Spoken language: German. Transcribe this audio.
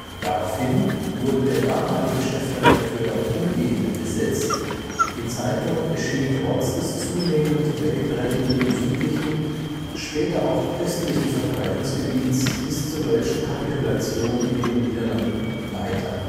Daraufhin wurde der damalige Chefredakteur E.C. Privat umgehend ersetzt, die Zeitung erschien trotz des zunehmend wegbrechenden südlichen, später auch östlichen Verbreitungsgebiets bis zur deutschen Kapitulation in den Niederlanden weiter